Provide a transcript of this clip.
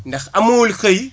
ndax amul xëy